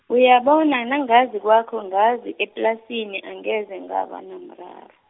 uyabona nangazi kwakho ngazi eplasini angeze ngaba nomraro.